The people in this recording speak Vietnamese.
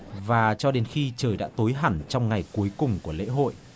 và cho đến khi trời đã tối hẳn trong ngày cuối cùng của lễ hội